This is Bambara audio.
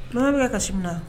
Mama e bi ka kasi mun na ?